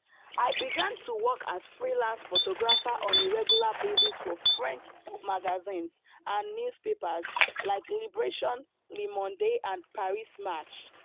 I began to work as a freelance photographer on a regular basis for French magazines and newspapers, like Libération, Le Monde, and Paris Match.